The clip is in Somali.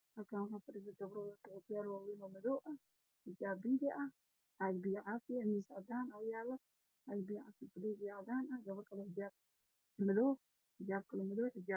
Waxaa ii muuqday gabar yaalla wada waxaa ag fadhiya gabdho kale miis cadaan ee horyaalla oo biyo cafis saaran yihiin